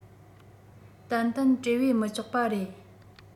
ཏན ཏན བྲེལ བས མི ལྕོགས པ རེད